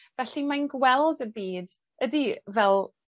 Felly mae'n gweld y byd, ydi, fel